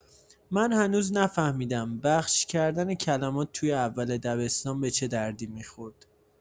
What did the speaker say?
من هنوز نفهمیدم بخش کردن کلمات توی اول دبستان به چه دردی می‌خورد!